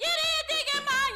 Yatigiba